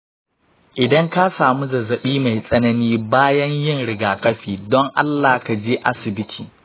idan ka samu zazzabi mai tsanani bayan yin rigakafi, don allah ka je asibiti.